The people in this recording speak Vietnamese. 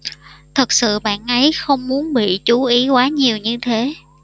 thật sự bạn ấy không muốn bị chú ý quá nhiều như thế